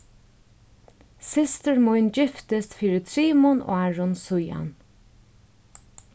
systir mín giftist fyri trimum árum síðan